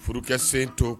Furusen to